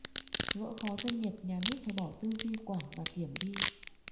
gõ khó doanh nghiệp nhà nước phải bỏ tư duy quản và kiểm đi